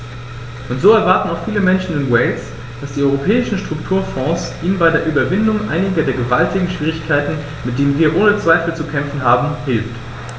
Und so erwarten auch viele Menschen in Wales, dass die Europäischen Strukturfonds ihnen bei der Überwindung einiger der gewaltigen Schwierigkeiten, mit denen wir ohne Zweifel zu kämpfen haben, hilft.